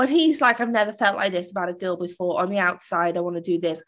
Well he's like "I've never felt like this about a girl before. On the outside. I want to do this."